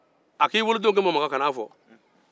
a ko kan'a fo i wolodenw kama makan